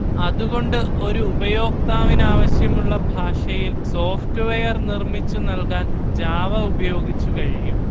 അതുകൊണ്ട് ഒരു ഉപയോക്താവിനാവശ്യമുള്ള ഭാഷയിൽ സോഫ്റ്റ്വെയർ നിർമ്മിച്ചു നൽകാൻ ജാവ ഉപയോഗിച്ചു കഴിയും